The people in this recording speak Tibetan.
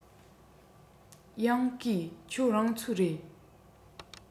ཡང བརྐུས ཁྱེད རང ཚོའི རེད